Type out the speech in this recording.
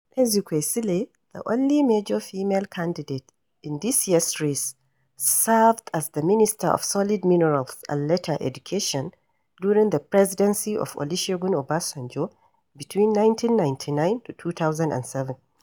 Ezekwesili, the only major female candidate in this year's race, served as the minister of solid minerals and later education during the presidency of Olusegun Obasanjo between 1999 to 2007.